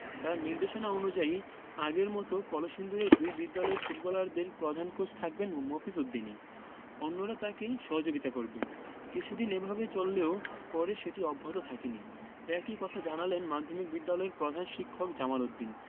তাঁর নির্দেশনা অনুযায়ী আগের মতো কলসিন্দুরের দুই বিদ্যালয়ের ফুটবলারদের প্রধান কোচ থাকবেন মফিজ উদ্দিনই অন্যরা তাঁকে সহযোগিতা করবেন কিছুদিন এভাবে চললেও পরে সেটি অব্যাহত থাকেনি একই কথা জানালেন মাধ্যমিক বিদ্যালয়ের প্রধান শিক্ষক জামাল উদ্দিন